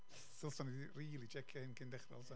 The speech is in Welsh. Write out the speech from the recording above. Ddylsa ni di rili tsecio hyn cyn dechrau ddylsan.